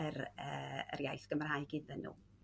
yr yr iaith Gymraeg iddyn n'w.